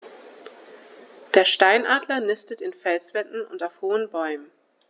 Der Steinadler nistet in Felswänden und auf hohen Bäumen.